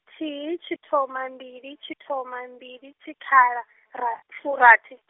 thihi tshithoma mbili tshithoma mbili tshikhala, ra-, furathi.